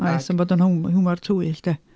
Oes ond bod o'n hiwm- hiwmor tywyll de.